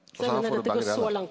så her får du begge delar.